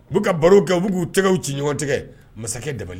U bi ka baro kɛ u bɛ ku tɛgɛw ci ɲɔgɔn tigɛ. Masakɛ dabali